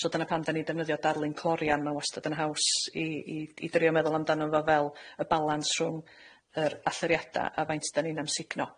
So dyna pam 'dan ni'n defnyddio darlun clorian. Ma' wastad yn haws i i i drio meddwl amdano fo fel y balans rhwng yr allyriada a faint 'dan ni'n amsugno.